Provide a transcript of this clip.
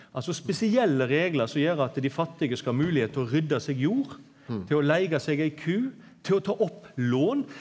altså spesielle reglar som gjer at dei fattige skal ha moglegheit til å rydde seg jord, til å leige seg ei ku, til å ta opp lån.